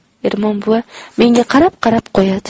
ermon buva menga qarab qarab qo'yadi